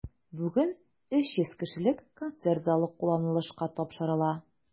Бүген 300 кешелек концерт залы кулланылышка тапшырыла.